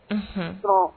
Un hun